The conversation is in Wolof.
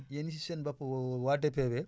yéen si seen bopp waa DPV